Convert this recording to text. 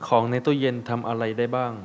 ของในตู้เย็นทำอะไรได้บ้าง